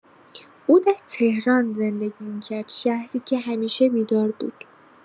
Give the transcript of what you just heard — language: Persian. او در تهران زندگی می‌کرد، شهری که همیشه بیدار بود.